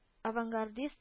Авангардист